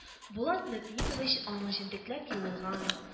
Булат Мөэминович аның җентекләп юылган